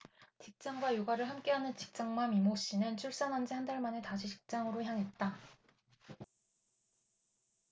직장과 육아를 함께하는 직장맘 이모씨는 출산한지 한 달 만에 다시 직장으로 향해야 했다